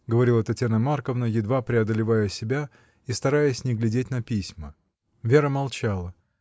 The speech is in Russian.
— говорила Татьяна Марковна, едва преодолевая себя и стараясь не глядеть на письма. Вера молчала.